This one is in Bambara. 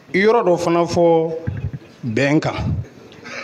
yɔrɔ dɔ fana fɔ bɛn kan.